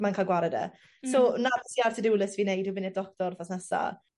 mae'n ca'l gwared e. Hmm. So 'na be' sy ar to do list fi neud yw fyn' i'r doctor wthnos nesa.